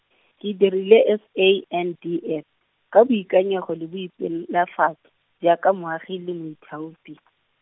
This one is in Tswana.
ke direla S A N D F, ka boikanyego le boipel- -lafatso, jaaka moagi le moithaopi.